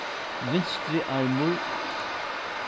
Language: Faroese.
vinstri armur